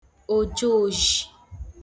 ojeozhī